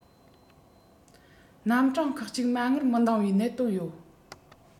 རྣམ གྲངས ཁག གཅིག མ དངུལ མི ལྡེང བའི གནད དོན ཡོད